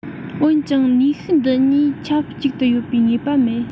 འོན ཀྱང ནུས ཤུགས འདི གཉིས ཆབས གཅིག ཏུ ཡོད པའི ངེས པ མེད